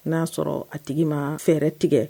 N'a y'a sɔrɔ a tigi ma fɛɛrɛ tigɛ